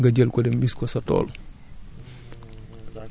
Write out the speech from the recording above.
boo jiwee ba kii commen nawet bi kii bi commencé sori